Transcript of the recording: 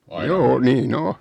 joo niin on